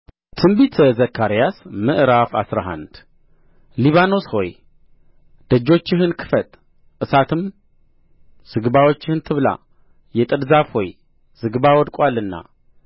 ትንቢተ ዘካርያስ ምዕራፍ አስራ አንድ ሊባኖስ ሆይ ደጆችህን ክፈት እሳትም ዝግባዎችህን ትብላ የጥድ ዛፍ ሆይ ዝግባ ወድቆአልና